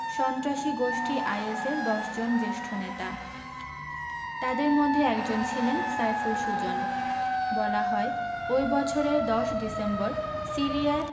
সন্ত্রাসী গোষ্ঠী আইএসের ১০ জন জ্যেষ্ঠ নেতা তাঁদের মধ্যে একজন ছিলেন সাইফুল সুজন বলা হয় ওই বছরের ১০ ডিসেম্বর সিরিয়ার